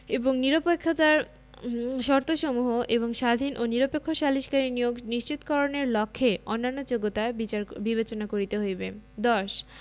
এবং নিরপেক্ষতার শর্তসমূহ এবং স্বাধীন ও নিরপেক্ষ সালিসকারী নিয়োগ নিশ্চিতকরণের লক্ষ্যে অন্যান্য যোগ্যতা বিবেচনা করিতে হইবে ১০